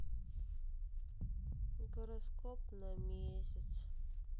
гороскоп на месяц